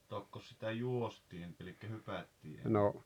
tokko sitä juostiin eli hypättiin ennen